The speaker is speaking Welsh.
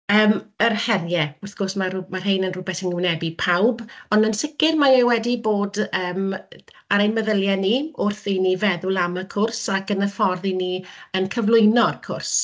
yym yr heriau, wrth gwrs mae rhein yn rhywbeth sy'n gwynebu pawb, ond yn sicr mae e wedi bod yym ar ein meddyliau ni wrth i ni feddwl am y cwrs ac yn y ffordd 'y ni yn cyflwyno'r cwrs.